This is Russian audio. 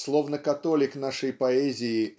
Словно католик нашей поэзии